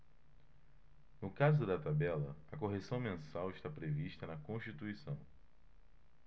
no caso da tabela a correção mensal está prevista na constituição